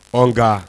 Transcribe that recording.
Ɔwɔ ka